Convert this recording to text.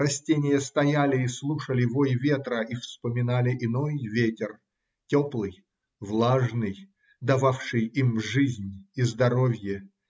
Растения стояли и слушали вой ветра и вспоминали иной ветер, теплый, влажный, дававший им жизнь и здоровье.